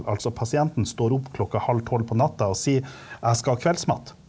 altså pasienten står opp klokka halv tolv på natta og sier jeg skal ha kveldsmat.